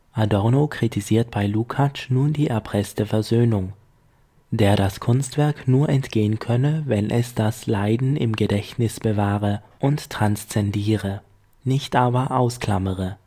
Adorno kritisiert bei Lukács nun die „ erpresste Versöhnung “, der das Kunstwerk nur entgehen könne, wenn es das Leiden im Gedächtnis bewahre und transzendiere, nicht aber ausklammere